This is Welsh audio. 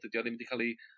Dydi o ddim 'di ca'l 'i